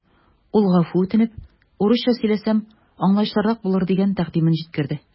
Ул гафу үтенеп, урысча сөйләсәм, аңлаешлырак булыр дигән тәкъдимен җиткерде.